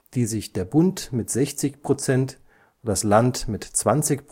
die sich Bund (60 %), Land (20 %